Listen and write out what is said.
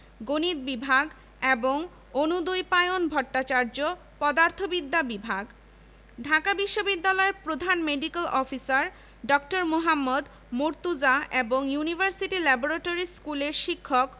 গণিত বিভাগ এবং অনুদ্বৈপায়ন ভট্টাচার্য পদার্থবিদ্যা বিভাগ ঢাকা বিশ্ববিদ্যালয়ের প্রধান মেডিক্যাল অফিসার ডা. মোহাম্মদ মর্তুজা এবং ইউনিভার্সিটি ল্যাবরেটরি স্কুলের শিক্ষক